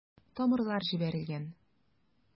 Тамырлар җибәрелгән.